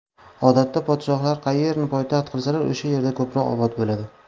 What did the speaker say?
odatda podshohlar qayerni poytaxt qilsalar o'sha yer ko'proq obod bo'ladi